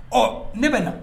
Ɔ ne bɛ na